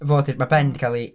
Fo di'r, ma' Ben 'di cael ei...